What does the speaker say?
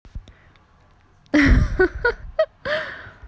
хахахаха